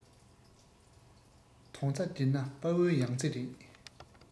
དོན རྩ བསྒྲིལ ན དཔལ བོའི ཡང རྩེ རེད